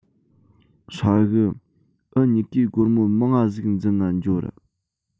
ཧྲ གི འུ གཉིས ཀས སྒོར མོ མང ང ཟིག འཛིན ན འགྱོ ར